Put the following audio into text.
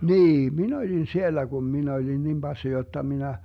niin minä olin siellä kun minä olin niin passi jotta minä